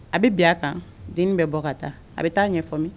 A bɛ bila a kan den bɛ bɔ ka taa a bɛ taa a ɲɛfɔ ɲɛfɔmi